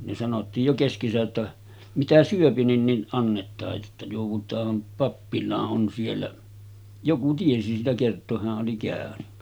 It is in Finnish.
ne sanottiin jo keskensä että mitä syö niin niin annetaan jotta joudutaan pappilaan on siellä joku tiesi siitä kertoa hän oli käynyt